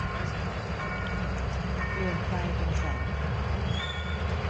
เปลี่ยนไฟเป็นแสงขาว